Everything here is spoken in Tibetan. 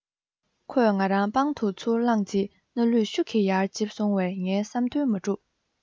ཁོས ང རང པང དུ ཚུར བླངས རྗེས སྣ ལུད ཤུགས ཀྱིས ཡར འཇིབས སོང བས ངའི བསམ དོན མ གྲུབ